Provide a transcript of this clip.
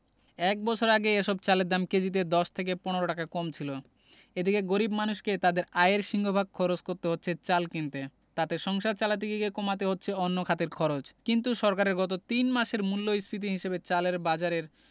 এক বছর আগে এসব চালের দাম কেজিতে ১০ থেকে ১৫ টাকা কম ছিল এদিকে গরিব মানুষকে তাঁদের আয়ের সিংহভাগ খরচ করতে হচ্ছে চাল কিনতে তাতে সংসার চালাতে গিয়ে কমাতে হচ্ছে অন্য খাতের খরচ কিন্তু সরকারের গত তিন মাসের মূল্যস্ফীতির হিসাবে চালের বাজারের